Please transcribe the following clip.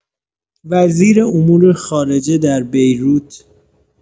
وزیر امور خارجه در بیروت